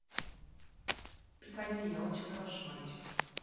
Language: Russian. приходи я очень хороший мальчик